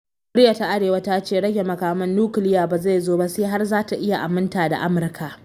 Koriya ta Arewa ta ce rage makaman nukiliya ba zai zo ba sai har za ta iya aminta da Amurka